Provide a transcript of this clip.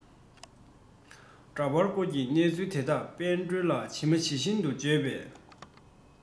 འདྲ པར བསྐོར གྱི གནས ཚུལ དེ དག དཔལ སྒྲོན ལ ཇི མ ཇི བཞིན དུ བརྗོད པས